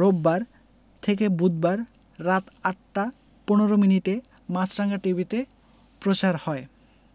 রোববার থেকে বুধবার রাত ৮টা ১৫ মিনিটে মাছরাঙা টিভিতে প্রচার হয়